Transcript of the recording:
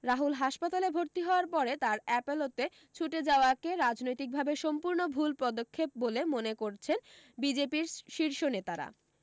রাহুল হাসপাতালে ভর্তি হওয়ার পরে তার অ্যাপোলো তে ছুটে যাওয়াকে রাজনৈতিক ভাবে সম্পূর্ণ ভুল পদক্ষেপ বলে মনে করছেন বিজেপির শীর্ষ নেতারা